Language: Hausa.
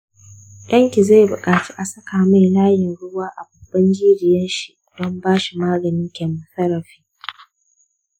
ɗan ki zai buƙaci a saka mai layin ruwa a babban jijiyan shi don bashi maganin chemotherapy.